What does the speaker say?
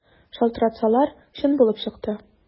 Шалтыратсалар, чын булып чыкты.